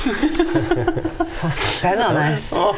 å.